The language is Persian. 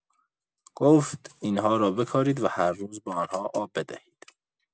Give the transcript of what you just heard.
گفت: «این‌ها را بکارید و هر روز به آن‌ها آب بدهید.»